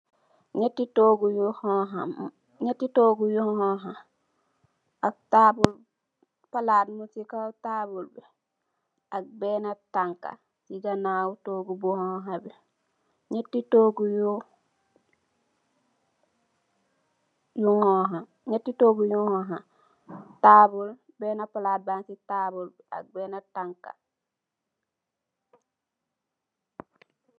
Ñetti tohgu yu xonxa, ak tabull , palat mug ci kaw tabull bi ak benna tanka ci ganaw tohgu yu xonxu yi.